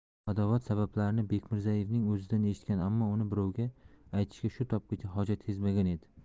adovat sabablarini bekmirzaevning o'zidan eshitgan ammo uni birovga aytishga shu topgacha hojat sezmagan edi